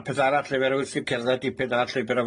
A peth arall lle ma' rywun sy'n cerdded dipyn ar llwybyr